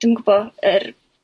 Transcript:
dwi'm yn gwbo' yr y